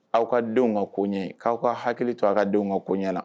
Aw ka denw ka ko ɲɛ k awaw ka hakili to aw ka denw ka ko ɲɛ la